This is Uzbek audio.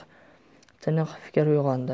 tiniq fikr uyg'ondi